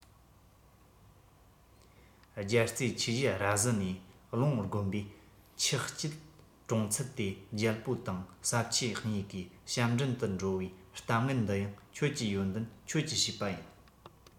རྒྱལ རྩེ ཆོས རྒྱལ ར བཟི ནས རླུང བསྒོམས པས འཁྱགས རྐྱེན གྲོངས ཚུལ དེ རྒྱལ པོ དང ཟབ ཆོས གཉིས ཀའི ཞབས འདྲེན དུ འགྲོ བའི གཏམ ངན འདི ཡང ཁྱོད ཀྱི ཡོན ཏན ཁྱོད ཀྱི བྱས པ ཡིན